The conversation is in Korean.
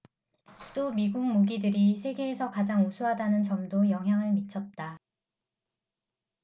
또 미국 무기들이 세계에서 가장 우수하다는 점도 영향을 미쳤다